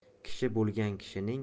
kishi bo'lgan kishining